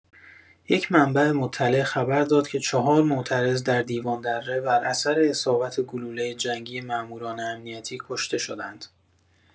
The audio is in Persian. یک منبع مطلع خبر داد که چهار معترض در دیواندره بر اثر اصابت گلوله جنگی ماموران امنیتی کشته شدند.